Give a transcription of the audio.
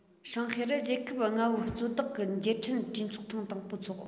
ཧྲང ཧའེ རུ རྒྱལ ཁབ ལྔ པོའི གཙོ བདག གི མཇལ འཕྲད གྲོས ཚོགས ཐེངས དང པོ འཚོགས